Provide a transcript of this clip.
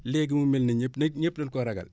léegi mu mel ne ñépp néeg ñépp dañ koo ragal